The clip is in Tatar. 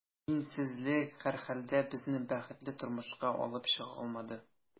Динсезлек, һәрхәлдә, безне бәхетле тормышка алып чыга алмады.